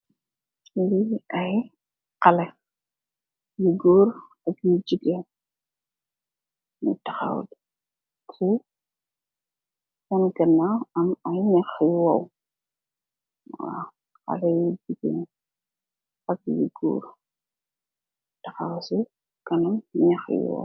Lii ay xale yu goor ak yu jigeen, nyu taxaw, si seen ganaaw am ay nyaax yu waaw, xale yu jigeen ak yu goor taxaw si kanam, nyaax yu waaw